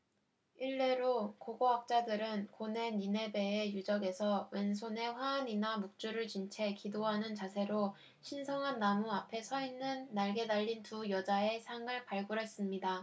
일례로 고고학자들은 고대 니네베의 유적에서 왼 손 에 화환이나 묵주를 쥔 채 기도하는 자세로 신성한 나무 앞에 서 있는 날개 달린 두 여자의 상을 발굴했습니다